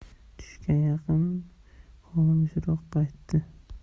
tushga yaqin xomushroq qaytdi